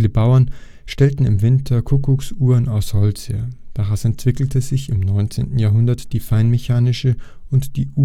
Bauern stellten im Winter Kuckucksuhren aus Holz her. Daraus entwickelte sich im 19. Jahrhundert die feinmechanische und die Uhrenindustrie